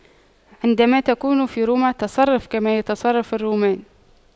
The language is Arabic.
عندما تكون في روما تصرف كما يتصرف الرومان